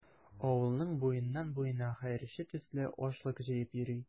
Авылның буеннан-буена хәерче төсле ашлык җыеп йөри.